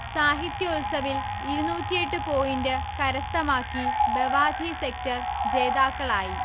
സാഹിത്യോല്സവിൽ ഇരുന്നൂറ്റി എട്ട് പോയിന്റ് കരസ്ഥമാക്കി ബവാധി സെക്ടർ ജേതാക്കളായി